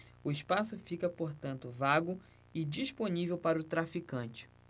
o espaço fica portanto vago e disponível para o traficante